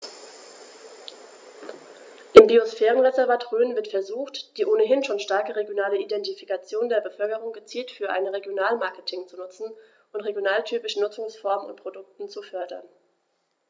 Im Biosphärenreservat Rhön wird versucht, die ohnehin schon starke regionale Identifikation der Bevölkerung gezielt für ein Regionalmarketing zu nutzen und regionaltypische Nutzungsformen und Produkte zu fördern.